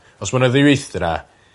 ...os ma' 'na ddiweithdra